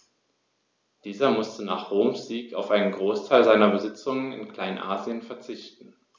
Dieser musste nach Roms Sieg auf einen Großteil seiner Besitzungen in Kleinasien verzichten.